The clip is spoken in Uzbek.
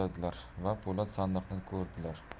o'tkazadilar va po'lat sandiqni ko'radilar